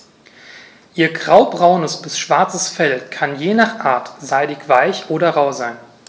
Ihr graubraunes bis schwarzes Fell kann je nach Art seidig-weich oder rau sein.